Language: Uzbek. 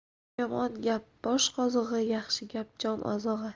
yomon gap bosh qozig'i yaxshi gap jon ozig'i